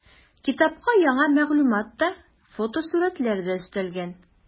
Китапка яңа мәгълүмат та, фотосурәтләр дә өстәлгән.